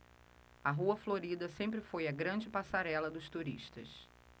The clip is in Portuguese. a rua florida sempre foi a grande passarela dos turistas